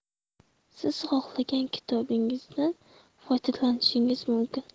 siz xohlagan kitobingizdan foydalanishingiz mumkin